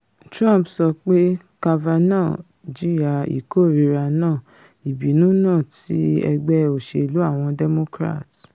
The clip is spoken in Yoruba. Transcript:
Trump sọ pé Kavanaugh 'jìya, ìkó-ìrira náà, ìbínú náà' ti Ẹgbé Òṣèlú Àwọn Democrat